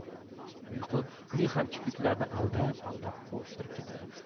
uyqu uning ham kipriklarini aldab aldab qovushtirib ketadi